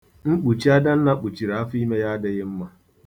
Mkpuchi Adanna kpuchiri afọ ime ya adịghị mma.